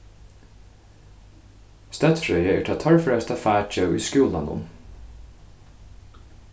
støddfrøði er tað torførasta fakið í skúlanum